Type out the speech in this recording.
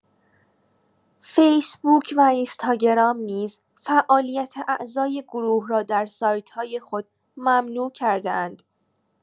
فیسبوک و اینستاگرام نیز فعالیت اعضای گروه را در سایت‌های خود ممنوع کرده‌اند.